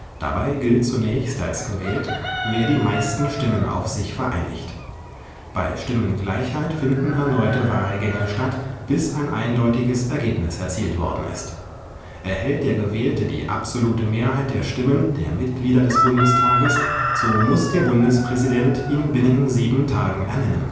Dabei gilt zunächst als gewählt, wer die meisten Stimmen auf sich vereinigt. Bei Stimmengleichheit finden erneute Wahlgänge statt, bis ein eindeutiges Ergebnis erzielt worden ist. Erhält der Gewählte die absolute Mehrheit der Stimmen der Mitglieder des Bundestages, so muss der Bundespräsident ihn binnen sieben Tagen ernennen